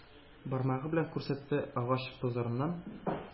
Бармагы белән күрсәтте,- агач базарыннан